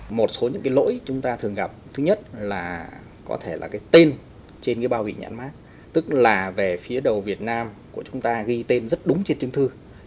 một số những cái lỗi chúng ta thường gặp thứ nhất là có thể là cái tên trên bao bì nhãn mác tức là về phía đầu việt nam của chúng ta ghi tên rất đúng trên chứng thư